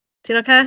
Ti'n ocê?